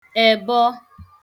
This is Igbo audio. èbọ